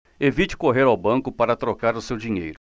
evite correr ao banco para trocar o seu dinheiro